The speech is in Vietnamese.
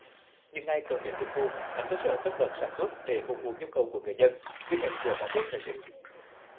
những ngày cận tết trung thu các cơ sở tất bật sản xuất để phục vụ nhu cầu của người dân ghi nhận của phóng viên thời sự